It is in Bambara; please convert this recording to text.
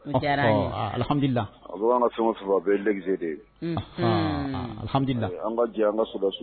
an ka